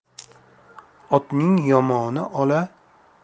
otning yomoni ola